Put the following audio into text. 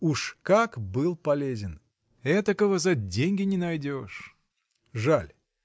Уж как был полезен: этакого за деньги не наймешь. Жаль!